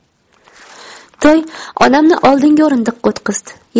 toy onamni oldingi o'rindiqqa o'tqizdi